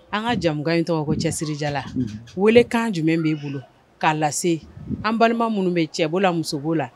An ka jɛmukan in tɔgɔ ko cɛsirijala; Unhun ;welekan jumɛn b'i bolo k'a lase an balima minnu bɛ yen, cɛ b'o, la muso b'o la.